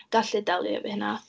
gallu delio efo hynna.